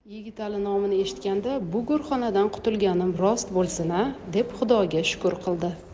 yigitali nomini eshitganda bu go'rxonadan qutulganim rost bo'lsin a deb xudoga shukr qildi